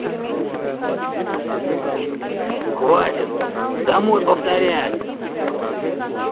хватит домой повторять